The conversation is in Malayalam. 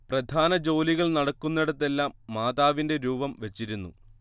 പ്രധാന ജോലികൾ നടക്കുന്നിടത്തെല്ലാം മാതാവിന്റെ രൂപം വച്ചിരുന്നു